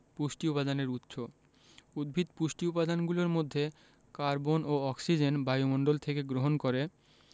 পুষ্টি উপাদানের উৎস উদ্ভিদ পুষ্টি উপাদানগুলোর মধ্যে কার্বন ও অক্সিজেন বায়ুমণ্ডল থেকে গ্রহণ করে